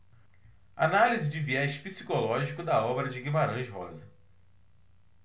análise de viés psicológico da obra de guimarães rosa